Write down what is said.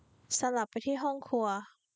สลับไปที่ห้องครัว